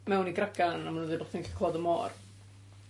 mewn i gragan a ma' nw'n ddeud bo' chdi'n gallu clywed y môr?